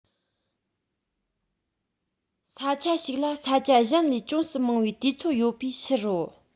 ས ཆ ཞིག ལ ས ཆ གཞན ལས ཅུང ཟད མང བའི དུས ཚོད ཡོད པའི ཕྱིར རོ